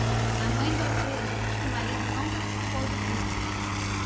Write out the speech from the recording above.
a mãe de alfredo diz que o marido não participou do crime